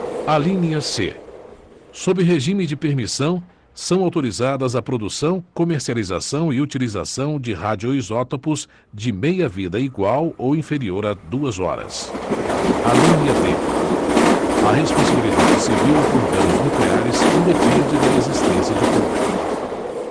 alínea c sob regime de permissão são autorizadas a produção comercialização e utilização de radioisótopos de meia vida igual ou inferior a duas horas alínea d a responsabilidade civil por danos nucleares independe da existência de culpa